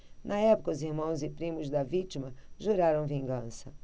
na época os irmãos e primos da vítima juraram vingança